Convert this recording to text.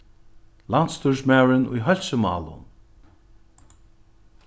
landsstýrismaðurin í heilsumálum